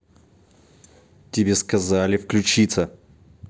тебе сказали выключиться